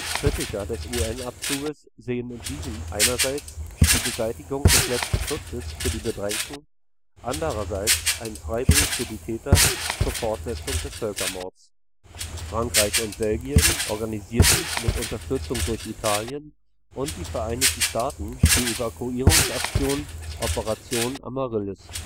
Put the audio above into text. Kritiker des UN-Abzuges sehen in diesem einerseits die Beseitigung des letzten Schutzes für die Bedrängten, andererseits einen Freibrief für die Täter zur Fortsetzung des Völkermords. Frankreich und Belgien organisierten mit Unterstützung durch Italien und die Vereinigten Staaten die Evakuierungsaktion Opération Amaryllis